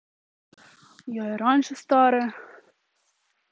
я и раньше старая